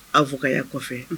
Aw fɔ ka'a kɔfɛ